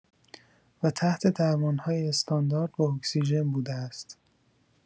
و «تحت درمان‌های استاندارد با اکسیژن» بوده است.